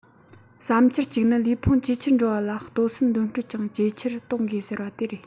བསམ འཆར གཅིག ནི ལུས ཕུང ཇེ ཆེར འགྲོ བ ལ ལྟོ ཟན འདོན སྤྲོད ཀྱང ཇེ ཆེར གཏོང དགོས ཟེར བ དེ རེད